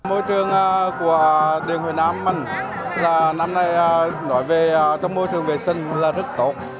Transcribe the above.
môi trường của đường việt nam mình là năm nay nói về a môi trường vệ sinh là rất tốt